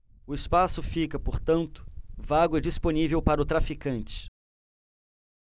o espaço fica portanto vago e disponível para o traficante